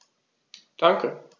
Danke.